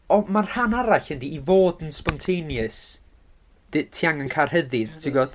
Ond ma'r rhan arall yndi, i fod yn spontaneous, d- ti angen cael rhyddid, ti'n gwbod?